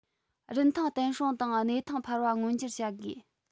རིན ཐང བརྟན སྲུང དང གནས ཐང འཕར བ མངོན འགྱུར བྱ དགོས